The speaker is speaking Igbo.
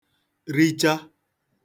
richa